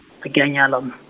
ga ke a nyala mm-.